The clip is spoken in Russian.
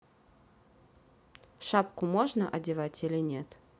шапку можно одевать или нет